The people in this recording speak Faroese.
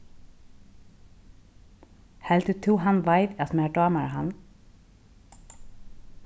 heldur tú hann veit at mær dámar hann